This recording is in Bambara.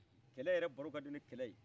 kɛlɛ yɛrɛ baro ka di ni kɛlɛ ye